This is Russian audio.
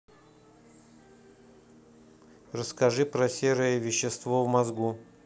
расскажи про серое вещество в мозгу